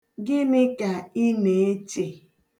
Gịnị ka ị na-eche?